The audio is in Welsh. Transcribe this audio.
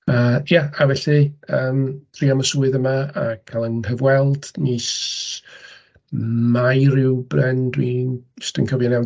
Yy ia a felly, yym, trïo am y swydd yma a chael fy nghyfweld, mis Mai ryw ben dwi'n... os dwi'n cofio'n iawn.